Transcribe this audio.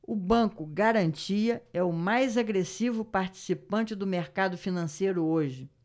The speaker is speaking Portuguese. o banco garantia é o mais agressivo participante do mercado financeiro hoje